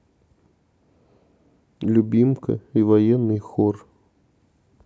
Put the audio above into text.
любимка и военный хор